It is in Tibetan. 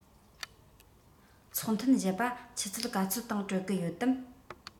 ཚོགས ཐུན བཞི པ ཆུ ཚོད ག ཚོད སྟེང གྲོལ གི ཡོད དམ